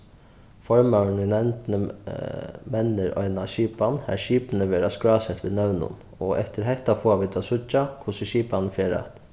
formaðurin í nevndini mennir eina skipan har skipini verða skrásett við nøvnum og eftir hetta fáa vit at síggja hvussu skipanin fer at